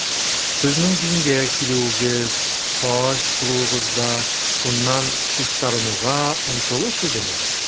Сезнең дингә килүегез, хаҗ кылуыгыз да шуннан чистарынуга омтылыш идеме?